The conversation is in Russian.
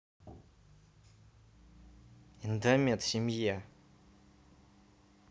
эндомед семья